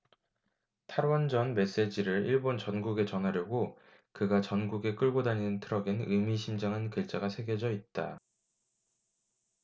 탈원전 메시지를 일본 전국에 전하려고 그가 전국에 끌고 다니는 트럭엔 의미심장한 글자가 새겨져 있다